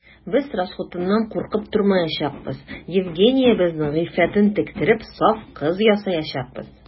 Без расхутыннан куркып тормаячакбыз: Евгениябезнең гыйффәтен тектереп, саф кыз ясаячакбыз.